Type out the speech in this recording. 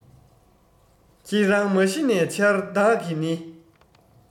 ཁྱེད རང མ གཞི ནས འཆར བདག གི ནི